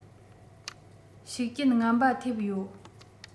ཤུགས རྐྱེན ངན པ ཐེབས ཡོད